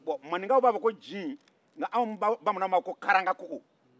maninkaw b'a fɔ ko jin nka anw bamananw b'a fɔ ko karangakoko